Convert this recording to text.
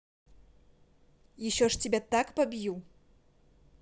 еще ж тебя так побью